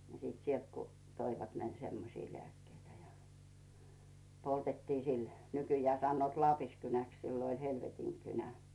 niin sitten sieltä kun toivat semmoisia lääkkeitä ja poltettiin sillä nykyään sanovat Laapiskynäksi silloin oli helvetinkynä